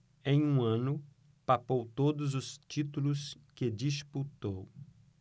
em um ano papou todos os títulos que disputou